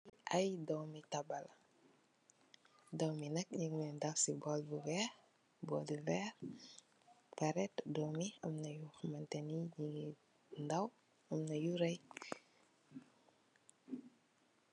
Ay doomi taba la, doomi yi nak ñing lèèn def ci bóól bu wèèx. Tè doomi am na yoxamteni ñi ngi ndaw am na yu ray.